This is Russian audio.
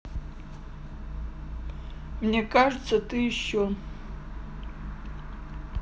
мне кажется ты еще